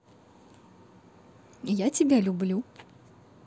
я тебя люблю